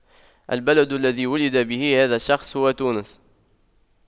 البلد الذي ولد به هذا الشخص هو تونس